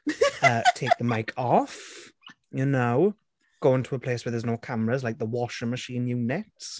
Uh, take the mic off? You know? Go into a place where there's no cameras like the washing machine units.